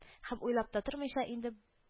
—һәм уйлап та тормыйча, инде